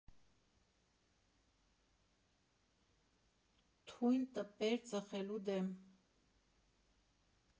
Թույն տպեր ծխելու դեմ.